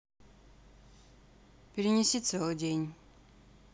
перенеси целый день